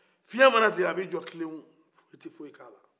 fiɲɛ mana ci a b'i jɔ kilenw o te foyi k'ala